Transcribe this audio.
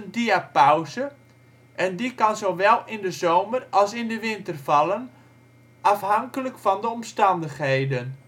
diapauze, en die kan zowel in de zomer als in de winter vallen, afhankelijk van de omstandigheden